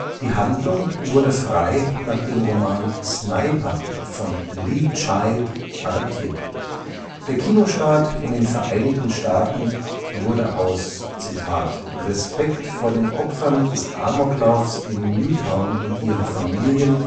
Die Handlung wurde frei nach dem Roman Sniper von Lee Child adaptiert. Der Kinostart in den Vereinigten Staaten wurde aus „ Respekt vor den Opfern des Amoklaufs in Newtown und ihren Familien